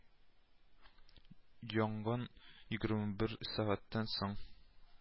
Янгын егерме бер сәгатьтән соң